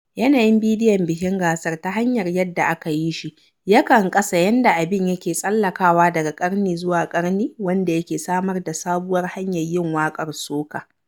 Yanayin bidiyon bikin gasar ta hanyar yadda aka yi shi, yakan ƙasa yadda abin yake tsallakawa daga ƙarni zuwa ƙarni wanda yake samar da sabuwar hanyar yin waƙar soca.